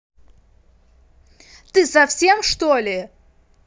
ты совсем что ли